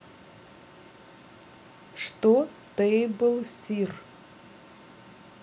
что table sir